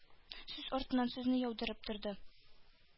Сүз артыннан сүзне яудырып торды,